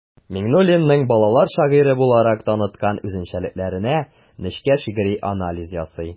Миңнуллинны балалар шагыйре буларак таныткан үзенчәлекләренә нечкә шигъри анализ ясый.